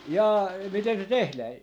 jaa miten se tehdään